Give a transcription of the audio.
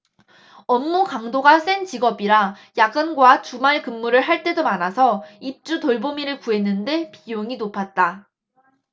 업무 강도가 센 직업이라 야근과 주말근무를 할 때도 많아서 입주돌보미를 구했는데 비용이 높았다